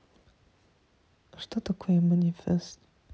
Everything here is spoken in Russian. а что такое манифест